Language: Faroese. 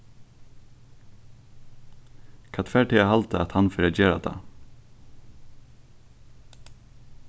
hvat fær teg at halda at hann fer at gera tað